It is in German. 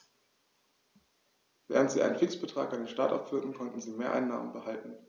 Während sie einen Fixbetrag an den Staat abführten, konnten sie Mehreinnahmen behalten.